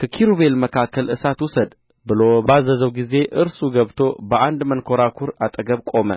ከኪሩቤል መካከል እሳት ውሰድ ብሎ ባዘዘው ጊዜ እርሱ ገብቶ በአንድ መንኰራኵር አጠገብ ቆመ